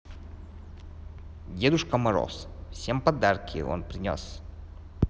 дедушка мороз всем подарки он принес